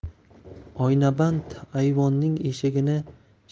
oynaband ayvonning eshigini